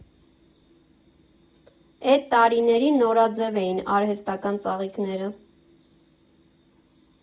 Էդ տարիներին նորաձև էին արհեստական ծաղիկները։